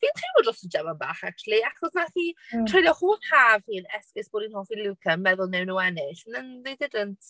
Fi'n teimlo drosto Gemma bach acshyli, achos wnaeth hi treulio holl haf hi'n esgus bod hi'n hoffi Luca yn meddwl wnawn nhw ennill and then they didn't.